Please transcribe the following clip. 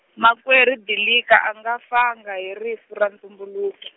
makwerhu Dilika a nga fanga hi rifu ra ntumbuluke-.